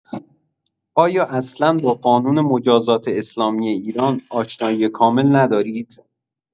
آیا اصلا با قانون مجازات اسلامی ایران آشنایی کامل ندارید؟